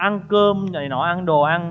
ăn cơm này nọ ăn đồ ăn